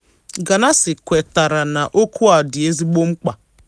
Ganase kwetara na okwu a dị ezigbo mkpa.